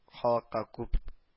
Халыкка күп